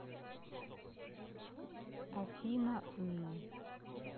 афина ы